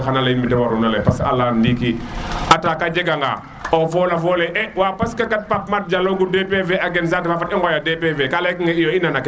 xada leyit mete waru na ley parce que a leyaan ndiki attaque a jega nga o fola fole e waw parce que kat Pape Made dialo gu DPV a gen saate fa i ngoya DPV ka ley kine i nana ken ley na